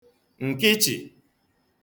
̀ǹkịchì